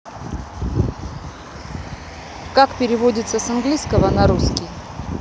как переводится с английского на русский